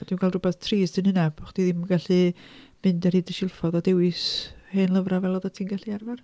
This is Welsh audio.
Dwi'n gweld rywbeth trist yn hynna bod chi ddim yn gallu mynd ar hyd y silffoedd a dewis hen lyfrau fel oeddet ti'n gallu arfer.